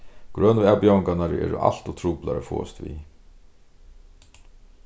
grønu avbjóðingarnar eru alt ov truplar at fáast við